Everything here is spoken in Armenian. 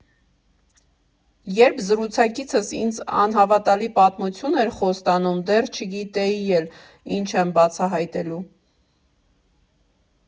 Երբ զրուցակիցս ինձ անհավատալի պատմություն էր խոստանում, դեռ չգիտեի էլ, ինչեր եմ բացահայտելու։